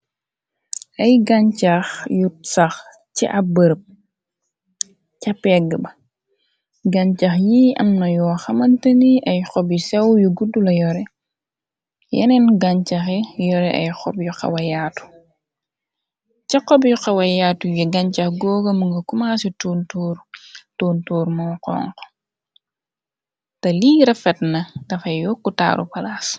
ay ganchax yu sax ci ab bërëb ca pegg ba gancax yiy am na yoo xamaltani ay xob yi sew yu guddu la yore yeneen gancaxe yore ay xob yu xawayaatu ca xob yu xawa yaatu yi gancax googa mu nga kuma ci ni tuntuur moo xongo te lii rafet na dafay yokku taaru palaas.